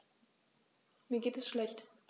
Mir geht es schlecht.